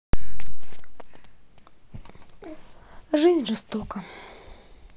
жизнь жестока